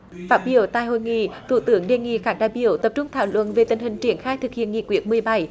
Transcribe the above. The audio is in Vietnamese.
phát biểu tại hội nghị thủ tướng đề nghị các đại biểu tập trung thảo luận về tình hình triển khai thực hiện nghị quyết mười bảy